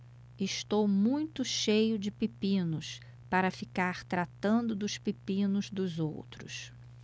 estou muito cheio de pepinos para ficar tratando dos pepinos dos outros